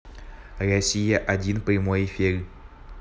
россия один прямой эфир